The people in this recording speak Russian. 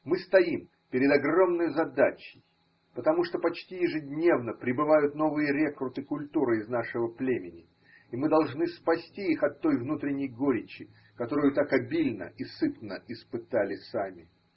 Мы стоим перед огромною задачей, потому что почти ежедневно прибывают новые рекруты культуры из нашего племени, и мы должны спасти их от той внутренней горечи, которую так обильно и сытно испытали сами.